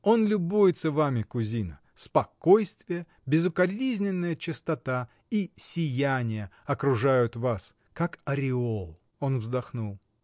Он любуется вами, кузина: спокойствие, безукоризненная чистота и сияние окружают вас, как ореол. Он вздохнул.